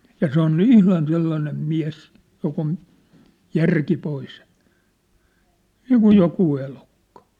ja se on ihan sellainen mies joka on järki pois niin kuin joku elukka